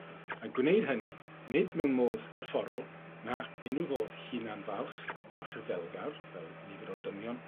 A gwneud hynny nid mewn modd corfforol nac unrhyw fodd hunan falch a rhyfelgar, fel nifer o'r dynion,